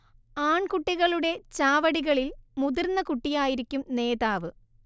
ആൺകുട്ടികളുടെ ചാവടികളിൽ മുതിർന്ന കുട്ടിയായിരിക്കും നേതാവ്